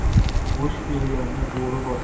bo'sh kelganni bo'ri bosar